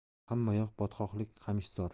hammayoq botqoqlik qamishzor